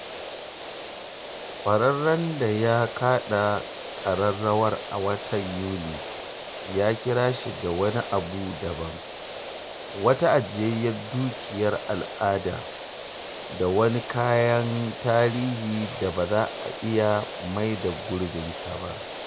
Ƙwararren da ya kaɗa ƙararrawar a watan Yuli ya kira shi da wani abu daban: “Wata ajiyayyar dukiyar al’ada” da “wani kayan tarihi da ba za a iya maida gurbinsa ba.”